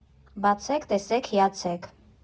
Բացեք, տեսեք, հիացեք։